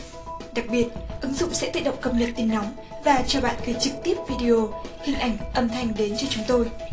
đặc biệt ứng dụng sẽ tự động cập nhật tin nóng và cho bạn gửi trực tiếp vi đi ô hình ảnh âm thanh đến cho chúng tôi